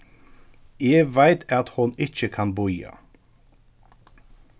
eg veit at hon ikki kann bíða